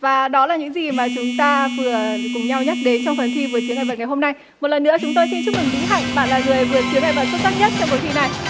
và đó là những gì mà chúng ta vừa cùng nhau nhắc đến trong phần thi vượt chướng ngại vật ngày hôm nay một lần nữa chúng tôi xin chúc mừng mỹ hạnh bạn là người vượt chướng ngại vật xuất sắc nhất trong cuộc thi này